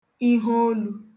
iheolū